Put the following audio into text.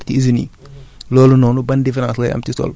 engrais de synthèse mooy maa engrais yi ñiy defar ci usines yi